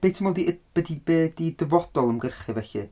Be ti'n meddwl 'di- be- be 'di dyfodol ymgyrchu felly?